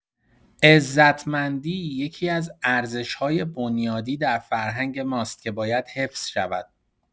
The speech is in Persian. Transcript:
عزتمندی یکی‌از ارزش‌های بنیادی در فرهنگ ماست که باید حفظ شود.